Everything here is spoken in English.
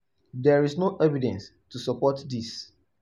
There is no evidence to support this.